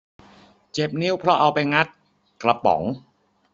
เจ็บนิ้วเพราะเอาไปงัดกระป๋อง